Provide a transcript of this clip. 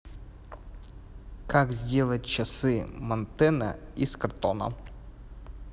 как сделать часы мантена из картона